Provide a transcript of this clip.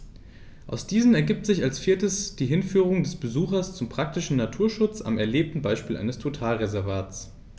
Aus diesen ergibt sich als viertes die Hinführung des Besuchers zum praktischen Naturschutz am erlebten Beispiel eines Totalreservats.